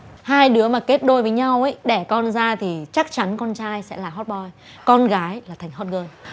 hai đứa mà kết đôi với nhau ấy đẻ con ra thì chắc chắn con trai sẽ là hót boi con gái là thành hót gơn